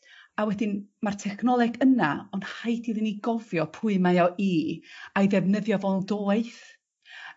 A wedyn ma'r technoleg yna ond rhaid iddyn ni gofio pwy mae o i a'i ddefnyddio fo'n doeth.